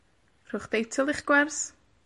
Rhowch deitl i'ch gwers.